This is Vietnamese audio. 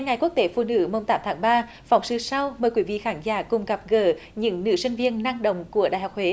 ngày quốc tế phụ nữ mùng tám tháng ba phóng sự sau mời quý vị khán giả cùng gặp gỡ những nữ sinh viên năng động của đại học huế